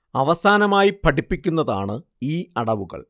അവസാനമായി പഠിപ്പിക്കുന്നതാണ് ഈ അടവുകൾ